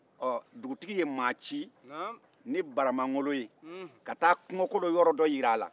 ɔ dugutigi ye mɔgɔ ci ni baramangolo ye ka taa kungokolo yɔrɔ dɔ jira a la